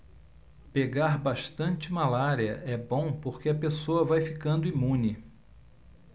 pegar bastante malária é bom porque a pessoa vai ficando imune